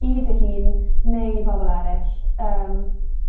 i dy hun neu i bobo eryll, yym.